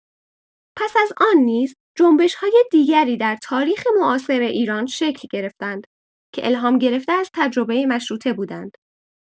پس از آن نیز جنبش‌های دیگری در تاریخ معاصر ایران شکل گرفتند که الهام‌گرفته از تجربه مشروطه بودند.